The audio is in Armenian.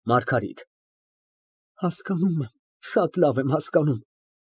ՄԱՐԳԱՐԻՏ ֊ Հասկանում եմ, շատ լավ եմ հասկանում։